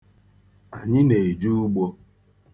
Anyị na-eje ugbo.